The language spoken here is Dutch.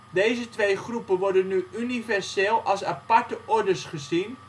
deze twee groepen worden nu universeel als aparte ordes gezien